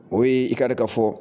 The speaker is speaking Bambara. _ Oui i ka dɔn ka fɔ